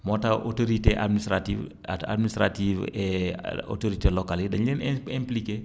moo tax autorités administratives yi ad administratives et autoriotés locales yi dañu leen im impliqué